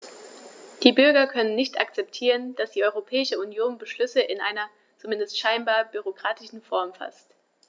Die Bürger können nicht akzeptieren, dass die Europäische Union Beschlüsse in einer, zumindest scheinbar, bürokratischen Form faßt.